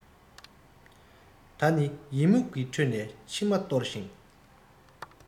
ད ནི ཡི མུག གི ཁྲོད ནས མཆི མ གཏོར ཞིང